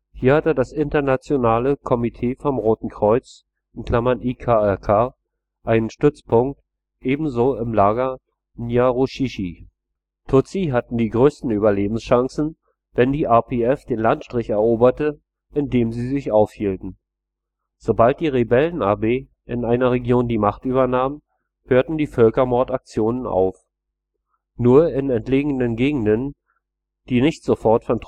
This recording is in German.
hier hatte das Internationale Komitee vom Roten Kreuz (IKRK) einen Stützpunkt, ebenso im Lager Nyarushishi. Tutsi hatten die größten Überlebenschancen, wenn die RPF den Landstrich eroberte, in dem sie sich aufhielten. Sobald die Rebellenarmee in einer Region die Macht übernahm, hörten die Völkermordaktionen auf. Nur in entlegenen Gegenden, die nicht sofort von